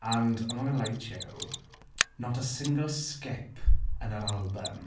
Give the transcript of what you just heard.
And I'm not going to lie to you... Not a single skip yn yr albym.